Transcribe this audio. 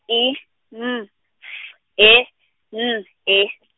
I, M, F, E, N, E .